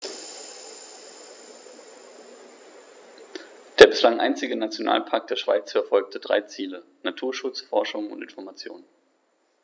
Der bislang einzige Nationalpark der Schweiz verfolgt drei Ziele: Naturschutz, Forschung und Information.